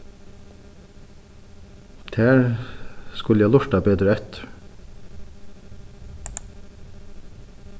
tær skulu lurta betur eftir